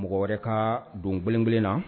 Mɔgɔ wɛrɛ ka don kelenkelen na